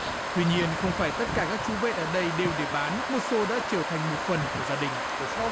tuy nhiên không phải tất cả các chú vẹt ở đây đều để bán một số đã trở thành một phần của gia đình